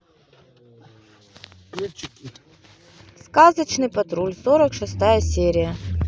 сказочный патруль сорок шестая серия